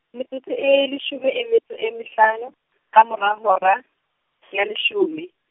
metsotso e leshome e metso e mehlano , ka mora hora, ya leshome.